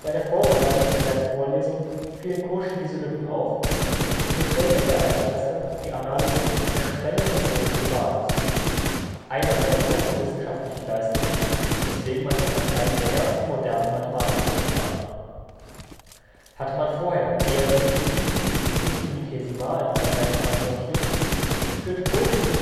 der Vorbereitung zu seinen Vorlesungen fielen Cauchy diese Lücken auf, und so stellte er als erster die Analysis auf eine strenge methodische Basis – eine seiner großen wissenschaftlichen Leistungen, weswegen man ihn als einen der ersten modernen Mathematiker betrachtet. Hatte man vorher eher intuitiv mit infinitesimalen Einheiten argumentiert, führte Cauchy in